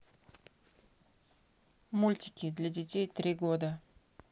мультики для детей три года